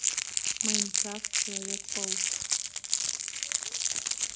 майнкрафт человек паук